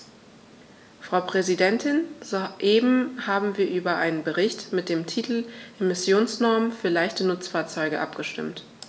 Frau Präsidentin, soeben haben wir über einen Bericht mit dem Titel "Emissionsnormen für leichte Nutzfahrzeuge" abgestimmt.